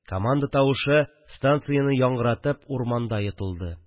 Команда тавышы станцияне яңгыратып урманда йотылды